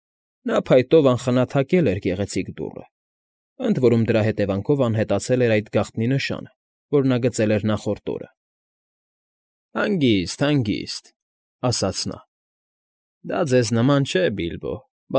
Նա փայտով անխնա թակել էր գեղեցիկ դուռը, ընդ որում դրա հետևանքով անհետացել էր այն գաղտնի նշանը, որ նա գծել էր նախորդ օրը։ ֊ Հանգիստ, հանգիստ, ֊ ասաց նա։ ֊ Դա ձեզ նման չէ, Բիլբո,